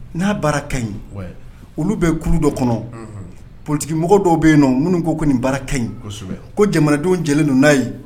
N'a baara ka ɲi olu bɛ kuru dɔ kɔnɔ polimɔgɔ dɔw bɛ yen nɔ minnu ko ko nin baara ka ɲi ko jamanadenw jɛ don n'a ye